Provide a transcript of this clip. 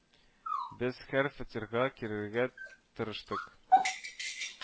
Без һәр фатирга керергә тырыштык